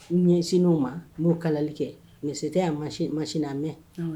N ɲɛsin'w ma n'o kalali kɛ misi tɛ y' masina aa mɛn